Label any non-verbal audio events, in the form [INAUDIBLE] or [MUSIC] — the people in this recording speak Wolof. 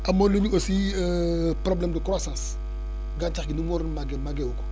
amoon nañu aussi [HESITATION] problème de :fracroissance gàncax gi ni mu waroon màggee màggee wu ko